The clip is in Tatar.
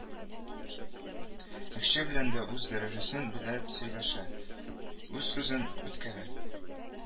Әкче белән дә үз дәрәҗәсен белеп сөйләшә, үз сүзен үткәрә